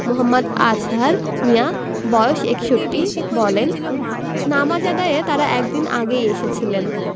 মো. আজহার মিয়া বয়স ৬১ বলেন নামাজ আদায়ে তাঁরা এক দিন আগেই এসেছিলেন